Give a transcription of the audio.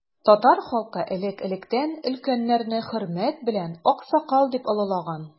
Татар халкы элек-электән өлкәннәрне хөрмәт белән аксакал дип олылаган.